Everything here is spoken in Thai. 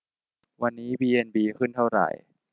วันนี้บีเอ็นบีขึ้นเท่าไหร่